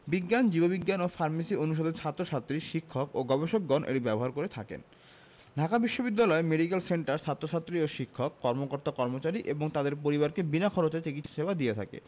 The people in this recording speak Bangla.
বিজ্ঞান জীববিজ্ঞান ও ফার্মেসি অনুষদের ছাত্রছাত্রী শিক্ষক ও গবেষকগণ এটি ব্যবহার করে থাকেন ঢাকা বিশ্ববিদ্যালয় মেডিকেল সেন্টার ছাত্রছাত্রী ও শিক্ষক কর্মকর্তাকর্মচারী এবং তাদের পরিবারকে বিনা খরচে চিকিৎসা সেবা দিয়ে থাকে